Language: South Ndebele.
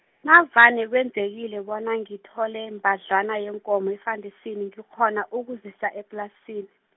navane kwenzekile bona ngithole, mbadlwana yeenkomo efandesini ngikghona ukuzisa eplasini.